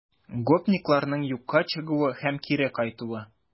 Гопникларның юкка чыгуы һәм кире кайтуы